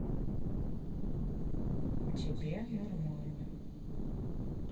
тебе нормально